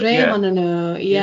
Rhei onnyn nhw, ie.